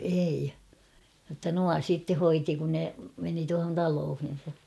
ei jotta nuo sitten hoiti kun ne meni tuohon taloihinsa